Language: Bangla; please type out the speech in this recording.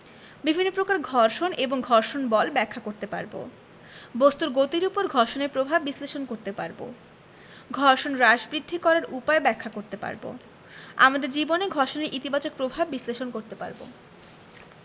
বিভিন্ন প্রকার ঘর্ষণ এবং ঘর্ষণ বল ব্যাখ্যা করতে পারব বস্তুর গতির উপর ঘর্ষণের প্রভাব বিশ্লেষণ করতে পারব ঘর্ষণ হ্রাস বৃদ্ধি করার উপায় ব্যাখ্যা করতে পারব আমাদের জীবনে ঘর্ষণের ইতিবাচক প্রভাব বিশ্লেষণ করতে পারব